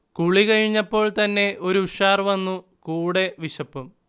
കുളി കഴിഞ്ഞപ്പോൾത്തന്നെ ഒരു ഉഷാർ വന്നു കൂടെ വിശപ്പും